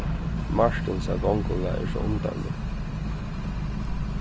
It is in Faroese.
martinsa gongulag er so undarligt